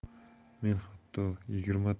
men hatto yigirmatalab ham stenti bor odamlarni